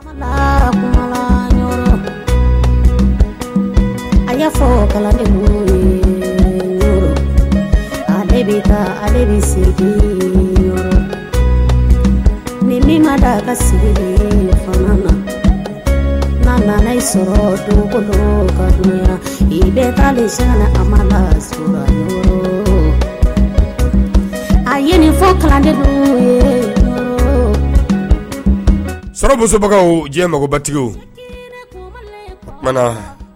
A y'a fɔkala ale bɛ taa ale bɛ segin ni min ma da segin sɔrɔ i bɛ se a yefɔ kalan sɔrɔmusobagaw jɛ magobatigi